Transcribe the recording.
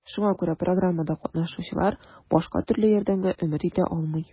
Шуңа күрә программада катнашучылар башка төрле ярдәмгә өмет итә алмый.